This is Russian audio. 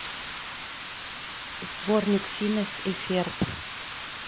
сборник финес и ферб